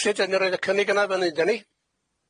Os ydyn ni'n roid y cynnig yna fyny ydan ni?